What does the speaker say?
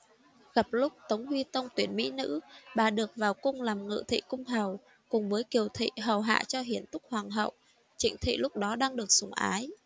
gặp lúc tống huy tông tuyển mĩ nữ bà được vào cung làm ngự thị cung hầu cùng với kiều thị hầu hạ cho hiển túc hoàng hậu trịnh thị lúc đó đang được sủng ái